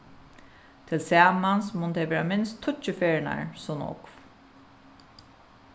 tilsamans munnu tey vera minst tíggju ferðirnar so nógv